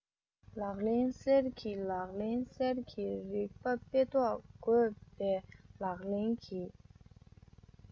ལག ལེན གསེར གྱི ལག ལེན གསེར གྱི རིག པ དཔེ ཐོག འགོད པའི ལག ལེན གྱི